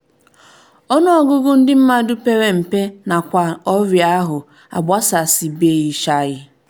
PG: Onu ogugu ndi mmadu pere mpe nakwa oria ahụ agbasasibechaghi.